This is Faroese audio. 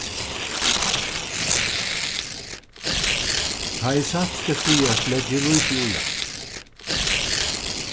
tá ið satt skal sigast leggi eg lítið í hann